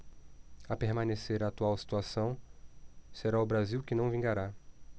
a permanecer a atual situação será o brasil que não vingará